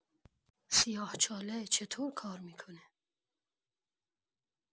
سیاه‌چاله چطور کار می‌کنه؟